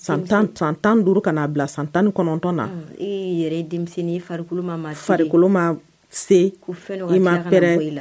San tan san tan duuru kana' bila san tan kɔnɔntɔn na farikolokolo ma se mapɛ